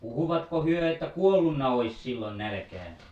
sanoiko he jotta kuollut olisi silloin nälkään